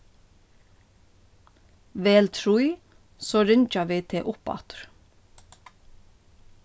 vel trý so ringja vit teg uppaftur